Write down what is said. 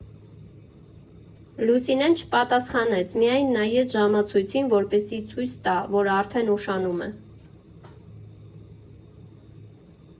Լուսինեն չպատասխանեց, միայն նայեց ժամացույցին, որպեսզի ցույց տա, որ արդեն ուշանում է։